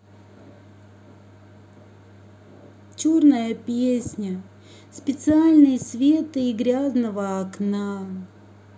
черная песня специальный света и грязного окна